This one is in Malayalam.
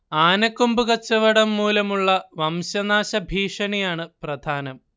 ആനക്കൊമ്പ് കച്ചവടം മൂലമുള്ള വംശനാശ ഭീഷണിയാണ് പ്രധാനം